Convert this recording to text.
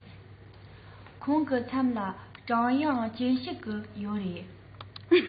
ཁོང གི མཚན ལ ཀྲང མིང ཅུན ཞུ གི ཡོད རེད